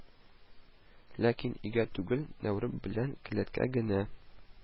Ләкин өйгә түгел, нәүрәп белән келәткә генә